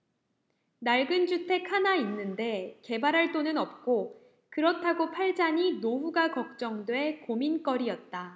낡은 주택 하나 있는데 개발할 돈은 없고 그렇다고 팔자니 노후가 걱정돼 고민거리였다